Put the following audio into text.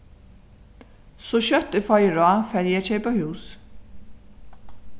so skjótt eg fái ráð fari eg at keypa hús